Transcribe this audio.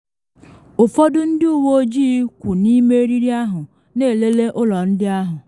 Ụfọdụ ndị uwe ojii kwụ n’ime eriri ahụ na elele ụlọ ndị ahụ.